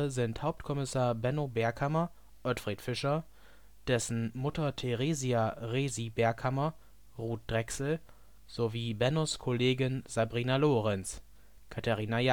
sind Hauptkommissar Benno Berghammer (Ottfried Fischer), dessen Mutter Theresia „ Resi “Berghammer (Ruth Drexel) sowie Bennos Kollegin Sabrina Lorenz (Katerina